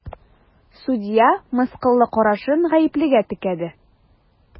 Судья мыскыллы карашын гаеплегә текәде.